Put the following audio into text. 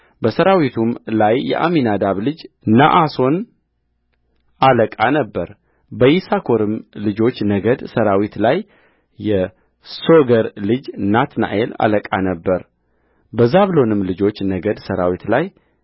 በሠራዊቱም ላይ የአሚናዳብ ልጅ ነአሶን አለቃ ነበረበይሳኮርም ልጆች ነገድ ሠራዊት ላይ የሶገር ልጅ ናትናኤል አለቃ ነበረበዛብሎንም ልጆች ነገድ ሠራዊት ላይ